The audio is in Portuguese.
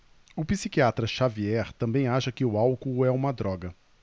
o psiquiatra dartiu xavier também acha que o álcool é uma droga